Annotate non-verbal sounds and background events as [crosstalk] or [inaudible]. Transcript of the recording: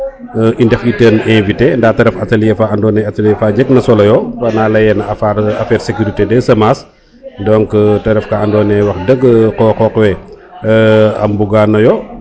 i ndef u ten inviter nda te ref atelier fa ando naye atelier fa jeg na solo yo fana leyel affaire des securiter des semence donc te ref ka ando naye wax deg qoqox we [hesitation] a mbugano yo